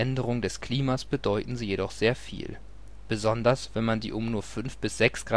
Änderung des Klimas bedeuten sie jedoch sehr viel – besonders wenn man die um nur 5 bis 6 °C